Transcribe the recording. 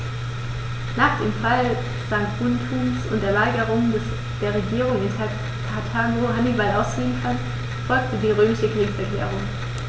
Nach dem Fall Saguntums und der Weigerung der Regierung in Karthago, Hannibal auszuliefern, folgte die römische Kriegserklärung.